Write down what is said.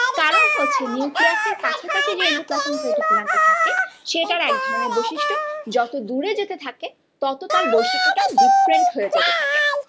কারণ হচ্ছে নিউক্লিয়াস এর কাছাকাছি যে এন্ডোপ্লাজমিক রেটিকুলাম টা থাকে সেটার এক ধরনের বৈশিষ্ট্য যত দূরে থাক যেতে থাকে তত তার বৈশিষ্ট্য টা ডিফরেন্ট হয়ে যেতে থাকে